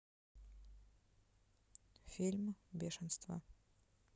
фильм бешенство